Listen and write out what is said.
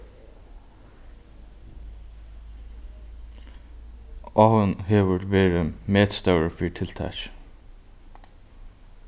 áhugin hevur verið metstórur fyri tiltakið